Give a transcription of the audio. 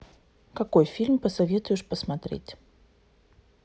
какой фильм посоветуешь посмотреть